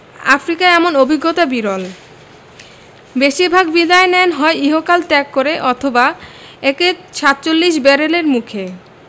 আফ্রিকায় এমন অভিজ্ঞতা বিরল বেশির ভাগ বিদায় নেন হয় ইহলোক ত্যাগ করে অথবা একে ৪৭ ব্যারেলের মুখে